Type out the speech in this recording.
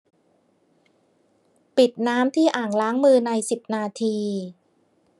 ปิดน้ำที่อ่างล้างมือในสิบนาที